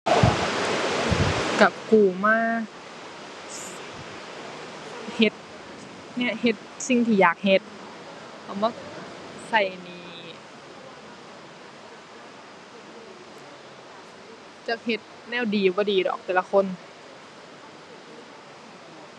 ก็กู้มาเฮ็ด เฮ็ดสิ่งที่อยากเฮ็ด เอามาก็หนี้ จักเฮ็ดแนวดีบ่ดีดอกแต่ละคน